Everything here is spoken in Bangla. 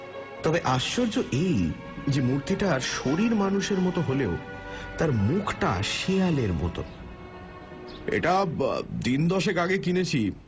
তবে আশ্চর্য এই যে মূর্তিটার শরীর মানুষের মতো হলেও তার মুখটা শেয়ালের মতো এটা দিন দশেক আগে কিনেছি